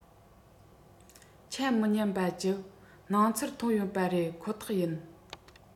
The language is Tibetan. ཆ མི མཉམ པ ཀྱི སྣང ཚུལ ཐོན ཡོད པ རེད ཁོ ཐག ཡིན